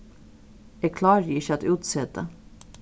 eg klári ikki at útseta